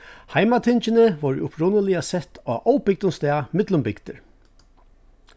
heimatingini vóru upprunaliga sett á óbygdum stað millum bygdir